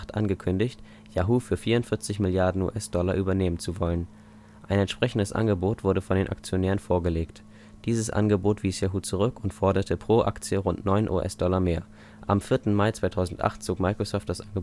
angekündigt, Yahoo für 44 Milliarden US-Dollar übernehmen zu wollen. Ein entsprechendes Angebot wurde den Aktionären vorgelegt. Dieses Angebot wies Yahoo zurück und forderte pro Aktie rund neun US-Dollar mehr. Am 4. Mai 2008 zog Microsoft das